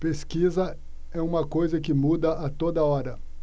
pesquisa é uma coisa que muda a toda hora